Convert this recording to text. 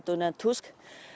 đô nan tút